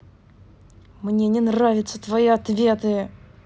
мне не нравятся твои ответы